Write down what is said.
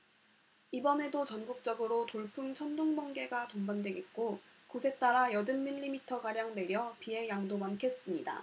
이번에도 전국적으로 돌풍 천둥 번개가 동반되겠고 곳에 따라 여든 밀리미터 가량 내려 비의 양도 많겠습니다